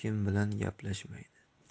kim bilan gaplashmaydi